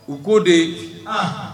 U ko de aa